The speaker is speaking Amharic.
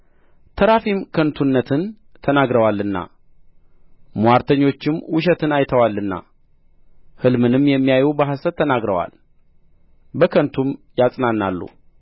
ተራፊም ከንቱነትን ተናግረዋልና ምዋርተኞችም ውሸትን አይተዋልና ሕልምንም የሚያዩ በሐሰት ተናግረዋል በከንቱም ያጽናናሉ